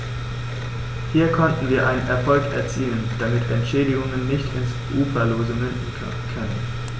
Hier konnten wir einen Erfolg erzielen, damit Entschädigungen nicht ins Uferlose münden können.